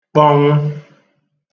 kpọnwụ